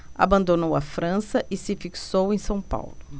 abandonou a frança e se fixou em são paulo